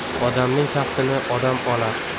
odamning taftini odam olar